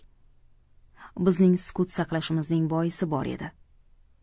bizning sukut saqlashimizning boisi bor edi